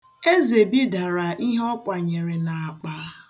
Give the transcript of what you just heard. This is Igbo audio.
Eze bidara ihe ọ kwanyere n'akpa.